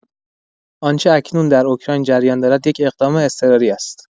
آنچه اکنون در اوکراین جریان دارد، یک اقدام اضطراری است.